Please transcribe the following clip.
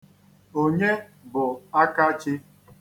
Onye bụ Akachi?